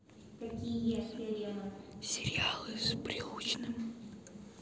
сериалы с прилучным